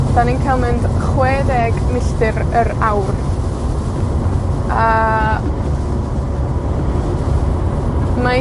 'Dan ni'n ca'l mynd chwedeg milltir yr awr, a, mae